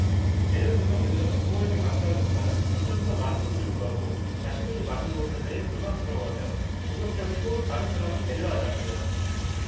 예를 들면 그들은 부모에게 감사하기보다는 점점 더 많은 것을 요구하고 자신들이 받는 것에 대해 불만스러워하며 공격적이 고 다른 사람을 배려하지 않는다